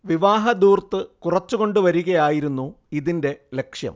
വിവാഹധൂർത്ത് കുറച്ച് കൊണ്ടു വരികയായിരുന്നു ഇതിന്റെ ലക്ഷ്യം